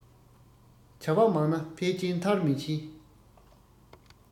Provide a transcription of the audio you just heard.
བྱ བ མང ན ཕལ ཆེར མཐར མི ཕྱིན